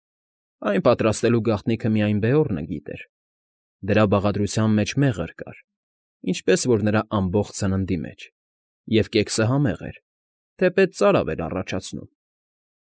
Այն պատրաստելու գաղտնիքը միայն Բեորնը գիտեր. դրա բաղադրության մեջ մեղր կար, ինչպես որ նրա ամբողջ սննդի մեջ, և կեքսը համեղ էր, թեպետ ծարավ էր առաջացնում։